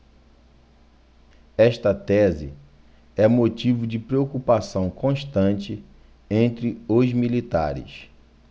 esta tese é motivo de preocupação constante entre os militares